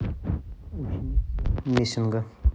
ученица мессинга